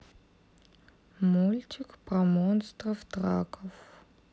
мультик про монстров траков